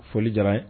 Foli diyara n ye